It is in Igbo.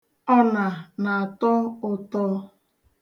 Ọna na-atọ ụtọ.